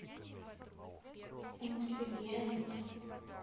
intellegent